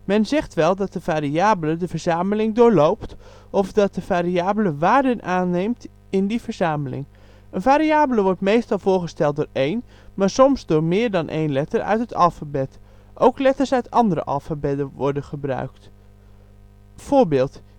een willekeurig element van een verzameling. Men zegt wel dat de variabele de verzameling doorloopt, of dat de variabele waarden aanneemt in die verzameling. Een variabele wordt meestal voorgesteld door één, maar soms door meer dan een letter uit het alfabet; ook letters uit andere alfabetten worden gebruikt. Voorbeeld